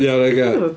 Iawn oce.